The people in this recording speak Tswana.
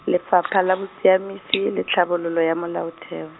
lefapha la Bosiamisi le Tlhabololo ya Molaotheo.